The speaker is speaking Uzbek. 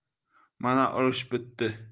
mana urush bitdi